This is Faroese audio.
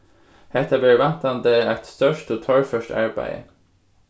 hetta verður væntandi eitt stórt og torført arbeiði